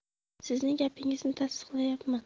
sizning gapingizni tasdiqlayapman